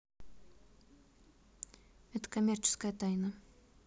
это коммерческая тайна